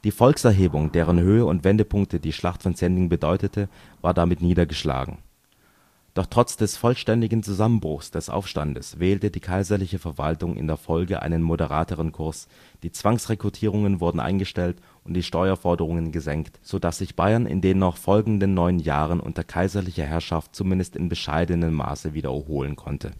Volkserhebung, deren Höhe - und Wendepunkt die Schlacht von Sendling bedeutete, war damit niedergeschlagen. Doch trotz des vollständigen Zusammenbruchs des Aufstandes wählte die kaiserliche Verwaltung in der Folge einen moderateren Kurs, die Zwangsrekrutierungen wurden eingestellt und die Steuerforderungen gesenkt, so dass sich Bayern in den noch folgenden neun Jahren unter kaiserlicher Herrschaft zumindest in bescheidenem Maße wieder erholen konnte